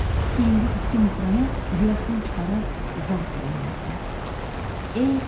lekin keyingi ikki misrani yurakdan chiqa rib zavq bilan aytdi